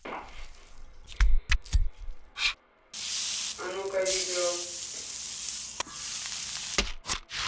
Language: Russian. а ну ка видео